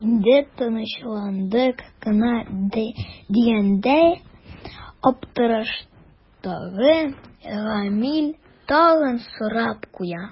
Инде тынычландык кына дигәндә аптыраштагы Гамил тагын сорап куя.